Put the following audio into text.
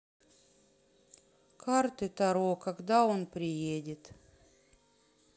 карты таро когда он приедет